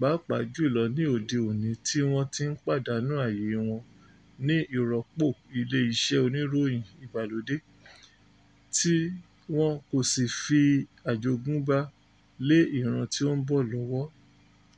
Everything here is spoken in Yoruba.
papàá jù lọ ní òde òní tí wọ́n ti ń pàdánù àyè wọn ní ìrọ́pò ilé iṣẹ́ oníròyìn ìgbàlódé, tí wọn kò sì fi àjogúnbá lé ìran tí ó ń bọ̀ lọ́wọ́.